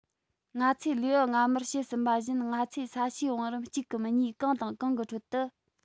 ང ཚོས ལེའུ སྔ མར བཤད ཟིན པ བཞིན ང ཚོས ས གཤིས བང རིམ གཅིག གམ གཉིས གང དང གང གི ཁྲོད དུ